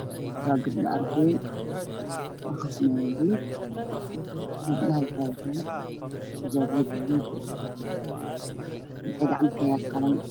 Waa gabdho arday ah waxay akhrisanayan buug ilmaha waxey wataan xijaabyo buluug ah waxay gacanta ku hayaan qalin